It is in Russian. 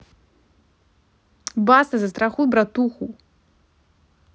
баста застрахуй братуху